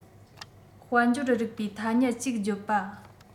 དཔལ འབྱོར རིག པའི ཐ སྙད ཅིག བརྗོད པ